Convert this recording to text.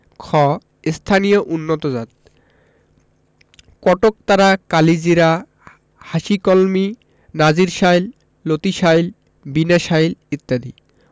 খ স্থানীয় উন্নতজাতঃ কটকতারা কালিজিরা হাসিকলমি নাজির শাইল লতিশাইল বিনাশাইল ইত্যাদি